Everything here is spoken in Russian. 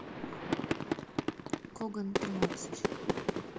коган тринадцать